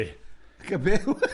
Gybyw!